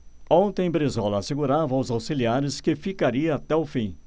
ontem brizola assegurava aos auxiliares que ficaria até o fim